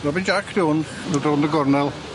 Robin Jac 'di 'wn dod rownd y gornel.